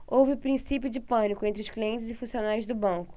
houve princípio de pânico entre os clientes e funcionários do banco